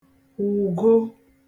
wụ̀go